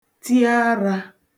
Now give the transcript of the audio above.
ti arā